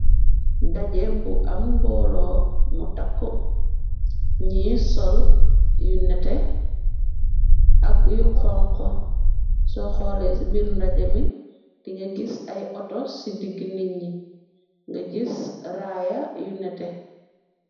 Daajjeh bu am mboolo mu takk. ñi sol yu nete ak yu xonqo, so xoolee ci biir ndajami dinga gis ay oto ci digg niñ ñi, nga jis raaya yu nete.